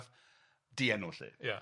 dienw lly. Ia.